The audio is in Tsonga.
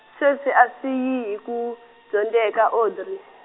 sweswi a swi yi hi ku, dyondzeka Audrey.